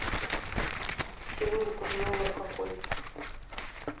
сегодня курс доллара какой